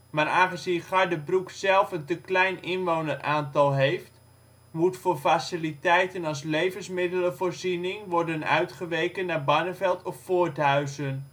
maar aangezien Garderbroek zelf een te klein inwoneraantal heeft, moet voor faciliteiten als levensmiddelenvoorziening worden uitgeweken naar Barneveld of Voorthuizen